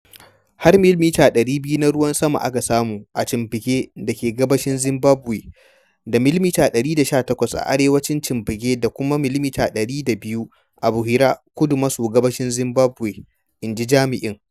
“Har millimita 200 na ruwan sama aka samu a Chipinge [da ke gabashin Zimbabwe] da millimita 118 a arewacin Chipinge da kuma millimita 102 a Buhera [kudu maso gabashin Zimbabwe],” in ji jami’in.